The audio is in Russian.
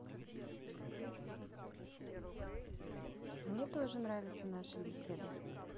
мне тоже нравятся наши беседы